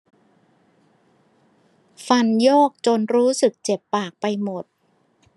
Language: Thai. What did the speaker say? ฟันโยกจนรู้สึกเจ็บปากไปหมด